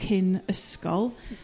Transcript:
cyn ysgol